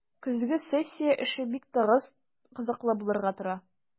Көзге сессия эше бик тыгыз, кызыклы булырга тора.